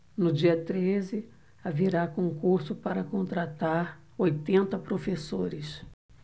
no dia treze haverá concurso para contratar oitenta professores